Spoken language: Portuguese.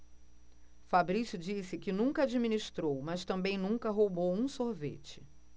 fabrício disse que nunca administrou mas também nunca roubou um sorvete